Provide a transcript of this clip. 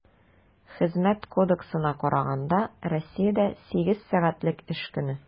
Хезмәт кодексына караганда, Россиядә сигез сәгатьлек эш көне.